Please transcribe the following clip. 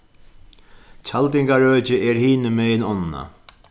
tjaldingarøkið er hinumegin ánna